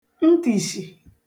ntìshì